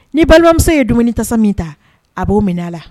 Ni balimamuso ye dumuni tasa min ta, a b'o minɛ a la